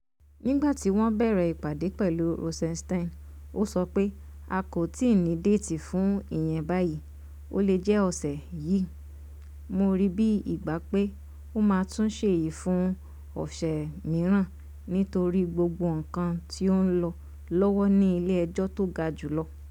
Nígbà tí wọ́n bèèrè ìpàdé pẹ̀lú Rosenstein, ó sọ pé: "A kò tíì ní déètì fún ìyẹn báyìí, ó le jẹ́ ọ̀ṣẹ̀ yìí, mó rí bí ìgbà pé ó máa sún ṣẹ́yìn fún ọ̀ṣẹ̀ míràn nítorí gbogbo nǹkan tí ó ń lọ lọ́wọ́ ní ilé ẹjọ́ tó ga jùlọ.